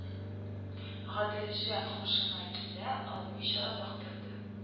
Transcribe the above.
Гаделҗан һушына килә алмыйча озак торды